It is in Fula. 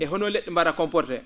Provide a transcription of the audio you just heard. e hono le??e mba?iraa comporter